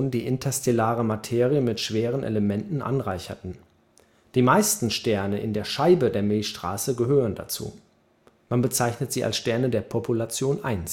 die interstellare Materie mit schweren Elementen anreicherten. Die meisten Sterne in der Scheibe der Milchstraße gehören dazu. Man bezeichnet sie als Sterne der Population I. Ein